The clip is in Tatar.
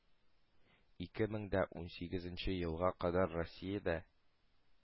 Ике мең дә унсигезенче елга кадәр Россиядә,